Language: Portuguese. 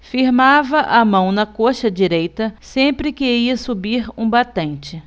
firmava a mão na coxa direita sempre que ia subir um batente